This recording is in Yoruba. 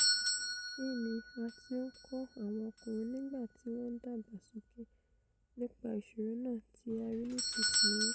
Kínni a ti ńkọ́ àwọn ọkùnrin nígbà tí wọ́n ńdàgbàsókè, nípa ì̀ṣòró nàà tí a rí nísinsìnyí?'